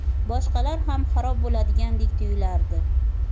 boshqalar ham xarob bo'ladigandek tuyulardi